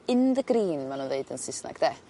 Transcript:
in the green ma' nw'n ddeud yn Sysneg 'de?